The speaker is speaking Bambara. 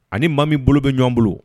Ani maa min bolo bɛ ɲɔgɔn bolo